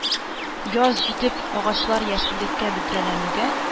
Яз җитеп, агачлар яшеллеккә бөдрәләнүгә,